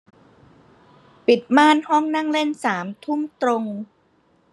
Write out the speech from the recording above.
ปิดม่านห้องนั่งเล่นสามทุ่มตรง